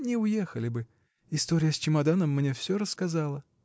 — Не уехали бы: история с чемоданом мне всё рассказала.